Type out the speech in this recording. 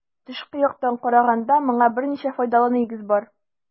Тышкы яктан караганда моңа берничә файдалы нигез бар.